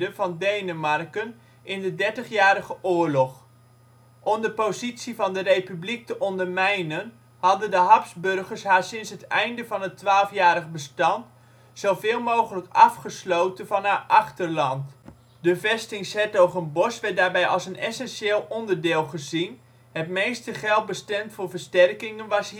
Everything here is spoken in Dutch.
van Denemarken in de Dertigjarige Oorlog. Om de positie van de Republiek te ondermijnen hadden de Habsburgers haar sinds het einde van het Twaalfjarig Bestand zoveel mogelijk afgesloten van haar achterland. De vesting ' s-Hertogenbosch werd daarbij als een essentieel onderdeel gezien; het meeste geld bestemd voor versterkingen was